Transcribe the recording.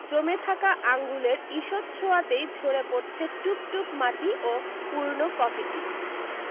জমে থাকা আঙুলের ঈষত ছোঁয়াতেই ঝরে পড়ছে টুপ টুপ মাটি ও পুরনো কফি টি